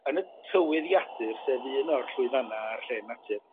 yn y tywydd iadur sef un o'r llwyddfanna a'r llên natur